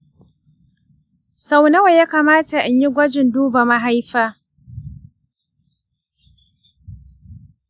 sau nawa ya kamata in yi gwajin duba mahaifa ?